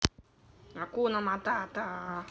акуна матата